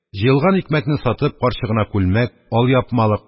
Җыелган икмәкне сатып, карчыгына күлмәк, алъяпмалык,